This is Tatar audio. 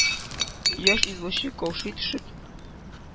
Яшь извозчик, каушый төшеп,